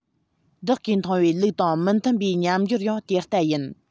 བདག གིས མཐོང བའི ལུགས དང མི མཐུན པའི མཉམ སྦྱོར ཡང དེ ལྟ ཡིན